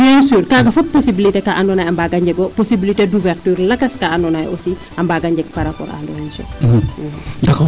Bien sur kaaga fop possiblité kaa andoona yee a waaga jeg o possiblité d' ouverture lakas kaa andoona yee aussi a mbaaga njeg par rapport a leur mission.